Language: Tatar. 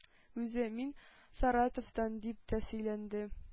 Үзе: “Мин Саратовтан”, – дип тә сөйләнде.